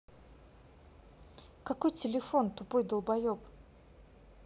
какой телефон тупой долбоеб